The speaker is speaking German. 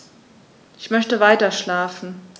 Ich möchte weiterschlafen.